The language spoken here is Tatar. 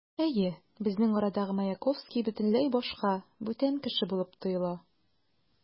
Әйе, безнең арадагы Маяковский бөтенләй башка, бүтән кеше булып тоела.